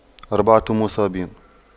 أربعة مصابين